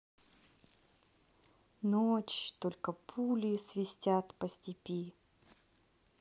ночь только пули свистят по степи